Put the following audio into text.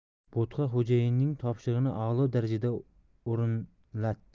bo'tqa xo'jayinning topshirig'ini a'lo darajada o'rinlatdi